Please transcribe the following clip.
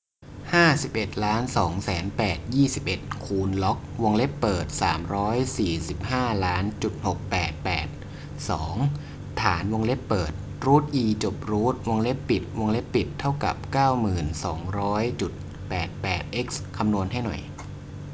ห้าสิบเอ็ดล้านสองแสนแปดยี่สิบเอ็ดคูณล็อกวงเล็บเปิดสามร้อยสี่สิบห้าล้านจุดหกแปดแปดสองฐานวงเล็บเปิดรูทอีจบรูทวงเล็บปิดวงเล็บปิดเท่ากับเก้าหมื่นสองร้อยจุดแปดแปดเอ็กซ์คำนวณให้หน่อย